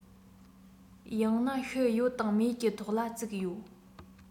ཡང ན ཤི ཡོད དང མེད ཀྱི ཐོག ལ བཙུགས ཡོད